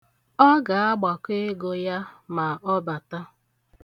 Ọ ga-agbakọ ego ya ma ọ bata.